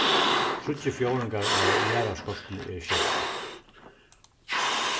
tríggir fjórðingar av jarðarskorpuni er sjógvur